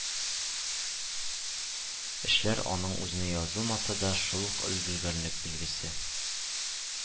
Эшләр, аның үзенә язылмаса да, шул ук өлгергәнлек билгесе